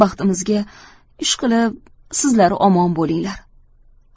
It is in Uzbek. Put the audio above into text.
baxtimizga ishqilib sizlar omon bo'linglar